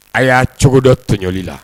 A y'a cogo dɔ tɔjɔli la